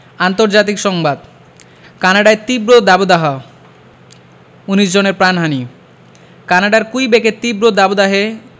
আন্তর্জাতিক সংবাদ কানাডায় তীব্র দাবদাহ ১৯ জনের প্রাণহানি কানাডার কুইবেকে তীব্র দাবদাহে